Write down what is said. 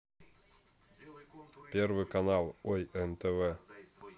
первый канал ой нтв